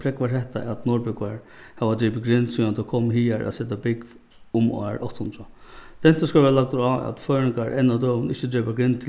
prógvar hetta at norðbúgvar hava dripið grind síðan teir komu higar at seta búgv um ár átta hundrað dentur skal verða lagdur á at føroyingar enn á døgum ikki drepa grind